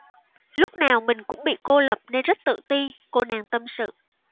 lúc nào mình cũng bị cô lập nên rất tự ti cô nàng tâm sự